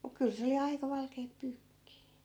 mutta kyllä se oli aika valkeaa pyykkiä